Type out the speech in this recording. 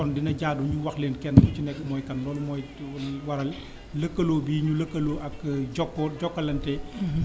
kon di na jaadu ñu wax leen kenn ku ci nekk mooy kan loolu mooy li waral lëkkaloo yi ñu lëkkaloo ak jokkoo Jokalante